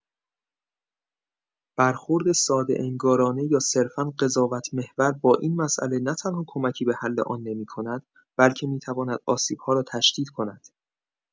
برخورد ساده‌انگارانه یا صرفا قضاوت‌محور با این مسئله، نه‌تنها کمکی به حل آن نمی‌کند، بلکه می‌تواند آسیب‌ها را تشدید کند.